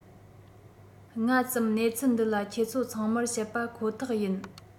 སྔ ཙམ གནས ཚུལ འདི ལ ཁྱེད ཚོ ཚང མར བཤད པ ཁོ ཐག ཡིན